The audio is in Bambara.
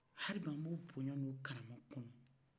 halibi an b'o bonya n'o karama kɔnɔ